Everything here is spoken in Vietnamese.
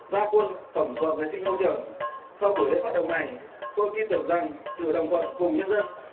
ra quân tổng dọn vệ sinh môi trường sau buổi lễ phát động này tôi tin tưởng rằng sự đồng thuận cùng nhân dân